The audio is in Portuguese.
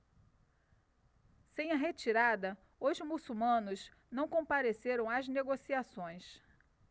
sem a retirada os muçulmanos não compareceram às negociações